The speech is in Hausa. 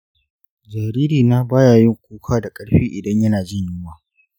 jaririna baya yin kuka da ƙarfi idan yana jin yunwa.